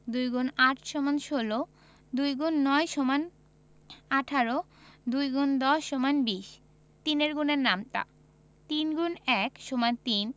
২ X ৮ = ১৬ ২ X ৯ = ১৮ ২ ×১০ = ২০ ৩ এর গুণের নামতা ৩ X ১ = ৩